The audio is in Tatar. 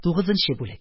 Тугызынчы бүлек